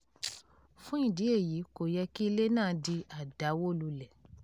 Fún ìdí èyí, kò yẹ kí ilé náà di àdàwólulẹ̀.